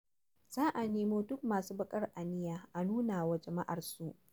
Za a nemo duk masu baƙar aniya a nunawa jama'a su.